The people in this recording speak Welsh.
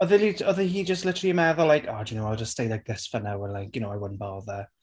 Oedd elid- oedd hi just literally yn meddwl like, "oh do you know what, just stay like this for now, and like, you know, I wouldn't bother